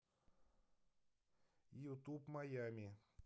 ютуб маями